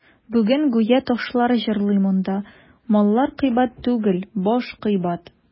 Бүген гүя ташлар җырлый монда: «Маллар кыйбат түгел, баш кыйбат».